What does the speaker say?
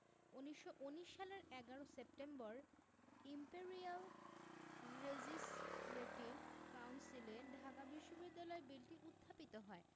১৯১৯ সালের ১১ September imperial legislative কাউন্সিলে ঢাকা বিশ্ববিদ্যালয় বিলটি উত্থাপিত হয়